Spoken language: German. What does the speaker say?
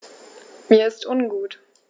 Mir ist ungut.